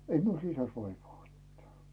ei minun sisässä vaivaa mitään